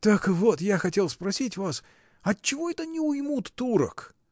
— Так я вот хотел спросить вас: отчего это не уймут турок?.